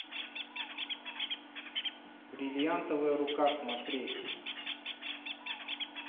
бриллиантовая рука смотреть